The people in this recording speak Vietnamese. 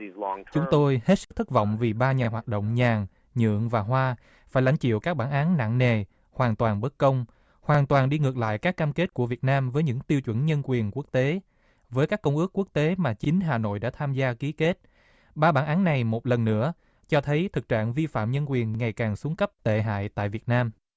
chúng tôi hết sức thất vọng vì ba nhà hoạt động nhàn nhượng và hoa phải lãnh chịu các bản án nặng nề hoàn toàn bất công hoàn toàn đi ngược lại các cam kết của việt nam với những tiêu chuẩn nhân quyền quốc tế với các công ước quốc tế mà chính hà nội đã tham gia ký kết ba bản án này một lần nữa cho thấy thực trạng vi phạm nhân quyền ngày càng xuống cấp tệ hại tại việt nam